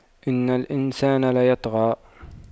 إِنَّ الإِنسَانَ لَيَطغَى